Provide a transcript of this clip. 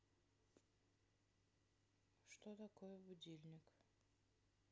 что такое будильник